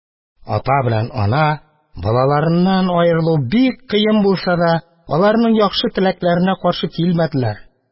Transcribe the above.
Ата белән ана, балаларыннан аерылу бик кыен булса да, аларның яхшы теләкләренә каршы килмәделәр.